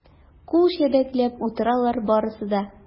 Кул чәбәкләп утыралар барысы да.